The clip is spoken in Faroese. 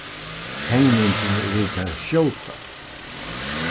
tekningin er tað skjóta